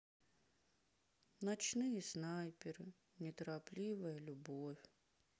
ночные снайперы неторопливая любовь